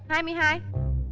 hai mươi hai